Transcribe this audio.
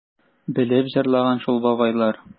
Белеп җырлаган шул бабайлар...